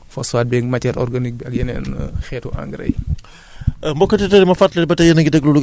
loolu daal mooy différence bi entre phosphate beeg matière organique bi ak yeneen xeetu engrais yi